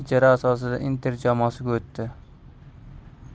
ijara asosida inter jamoasiga o'tdi